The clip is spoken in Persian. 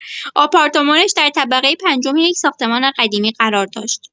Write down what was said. آپارتمانش در طبقه پنجم یک ساختمان قدیمی قرار داشت.